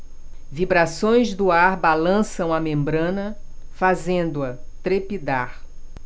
vibrações do ar balançam a membrana fazendo-a trepidar